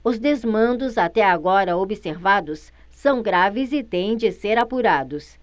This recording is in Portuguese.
os desmandos até agora observados são graves e têm de ser apurados